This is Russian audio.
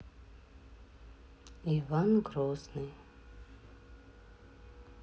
иван грозный